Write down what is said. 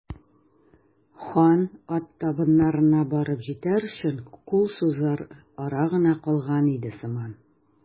Хан ат табыннарына барып җитәр өчен кул сузыр ара гына калган иде сыман.